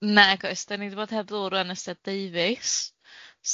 Nagoes dan ni di bod heb ddŵr wan es ta deufis.